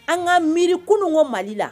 An ka miiri kunko Mali la.